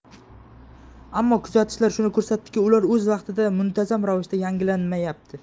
ammo kuzatishlar shuni ko'rsatadiki ular o'z vaqtida muntazam ravishda yangilanmayapti